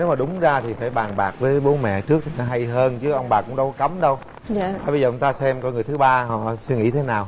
nếu mà đúng ra thì phải bàn bạc với bố mẹ trước thì nó hay hơn chứ ông bà cũng đâu có cấm đâu thôi bây giờ chúng ta xem coi người thứ ba họ suy nghĩ thế nào